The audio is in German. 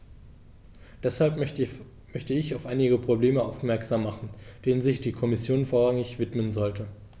Deshalb möchte ich auf einige Probleme aufmerksam machen, denen sich die Kommission vorrangig widmen sollte.